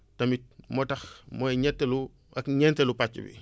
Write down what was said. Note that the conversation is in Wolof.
tamit moo tax mooy ñetteelu ak ñeenteelu pàcc bi